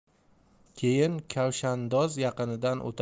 keyin kavshandoz yaqinidan o'tadi